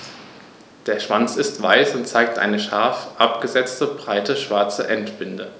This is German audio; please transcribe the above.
Der Schwanz ist weiß und zeigt eine scharf abgesetzte, breite schwarze Endbinde.